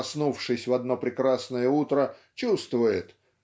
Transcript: проснувшись в одно прекрасное утро чувствует